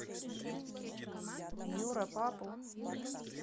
юра папу